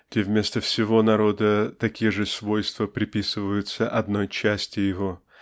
где вместо всего народа такие же свойства приписываются одной части его